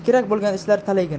kerak bo'lgan ishlar talaygina